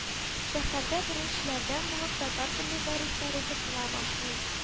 Шәһәрдә беренчеләрдән булып татар теле дәресләре укытыла башлый